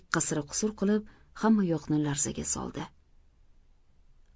qasira qusur qilib hamma yoqni larzaga soldi